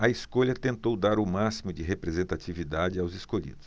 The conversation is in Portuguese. a escolha tentou dar o máximo de representatividade aos escolhidos